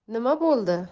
nima bo'ldi